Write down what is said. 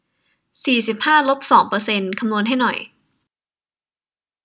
สี่สิบห้าลบสองเปอร์เซนต์คำนวณให้หน่อย